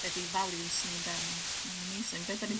be' 'di values ni ynde ma' ma'n amazing be' 'dan ni...